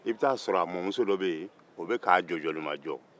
i bɛ taa sɔrɔ a masuso dɔ bɛ ye o bɛ k'a jɔjɔlimajɔ